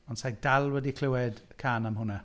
Ond sa i dal wedi clywed cân am hwnna.